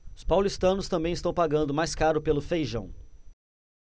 os paulistanos também estão pagando mais caro pelo feijão